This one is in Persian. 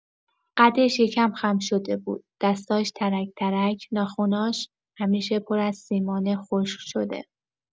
قدش یه‌کم خم شده بود، دستاش ترک ترک، ناخناش همیشه پر از سیمان خشک‌شده.